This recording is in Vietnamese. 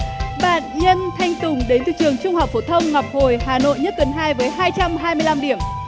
bạn nhân thanh tùng đến từ trường trung học phổ thông ngọc hồi hà nội nhất tuần hai với hai trăm hai mươi lăm điểm